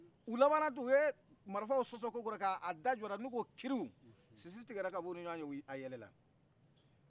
u labana tun u ye marifaw sɔsɔ kokura ka jɔ alanu ko kiriw sisi tigɛra a yɛlɛla